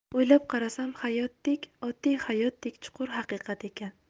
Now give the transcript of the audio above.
o'ylab qarasam hayotdek oddiy hayotdek chuqur haqiqat ekan